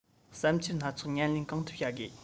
བསམ འཆར སྣ ཚོགས ཉན ལེན གང ཐུབ བྱ དགོས